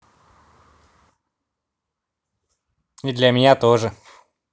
и для меня тоже